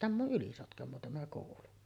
tämä on Ylisotkamoa tämä koulu